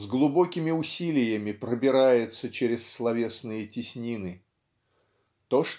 с глубокими усилиями пробирается через словесные теснины. То